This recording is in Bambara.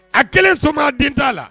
A kelen soma den t'a la